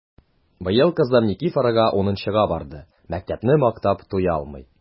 Быел кызым Никифарга унынчыга барды— мәктәпне мактап туялмый!